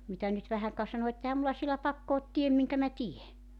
mitä nyt vähän ka sanoi että eihän minulla siellä pakko ole teen minkä minä teen